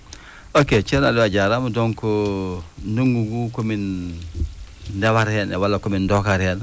ok ceerno Aliou a jaaraama donc ndunngu nguu ko men ndewata heen e walla ko men ndookkata heen